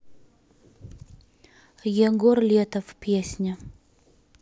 егор летов песня